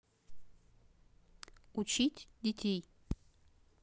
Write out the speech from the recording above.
учить детей